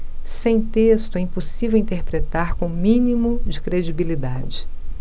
sem texto é impossível interpretar com o mínimo de credibilidade